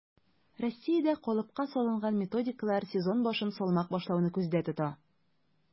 Россиядә калыпка салынган методикалар сезон башын салмак башлауны күздә тота: